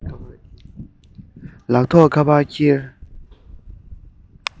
ལག ཐོགས ཁ པར འཁྱེར